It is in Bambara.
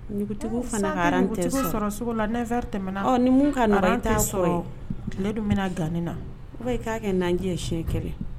Ni bɛ laɛna ni dun bɛna gan na k'a kɛ nanji sɛ kɛ